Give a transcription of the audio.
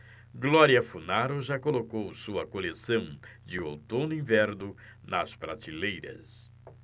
glória funaro já colocou sua coleção de outono-inverno nas prateleiras